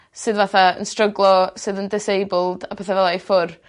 sy fatha yn stryglo sydd yn disabled e pythe fel 'a i ffwr'.